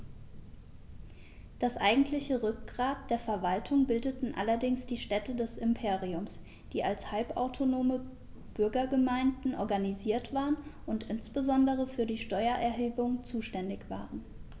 Das eigentliche Rückgrat der Verwaltung bildeten allerdings die Städte des Imperiums, die als halbautonome Bürgergemeinden organisiert waren und insbesondere für die Steuererhebung zuständig waren.